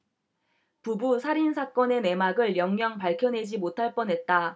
부부 살인 사건의 내막을 영영 밝혀내지 못할 뻔 했다